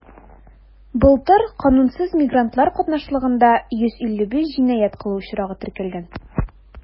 Былтыр канунсыз мигрантлар катнашлыгында 155 җинаять кылу очрагы теркәлгән.